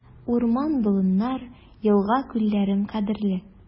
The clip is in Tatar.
Урман-болыннар, елга-күлләрем кадерле.